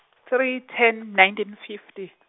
three ten nineteen fifty.